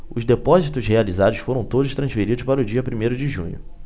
os depósitos realizados foram todos transferidos para o dia primeiro de junho